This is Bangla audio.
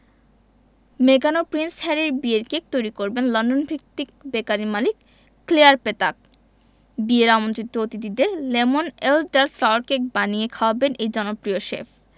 মেগান ও প্রিন্স হ্যারির বিয়ের কেক তৈরি করবেন লন্ডনভিত্তিক বেকারি মালিক ক্লেয়ার পেতাক বিয়ের আমন্ত্রিত অতিথিদের লেমন এলডার ফ্লাওয়ার কেক বানিয়ে খাওয়াবেন এই জনপ্রিয় শেফ